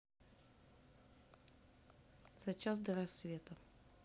за час до рассвета